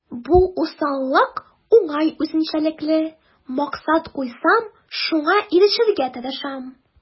Бу усаллык уңай үзенчәлекле: максат куйсам, шуңа ирешергә тырышам.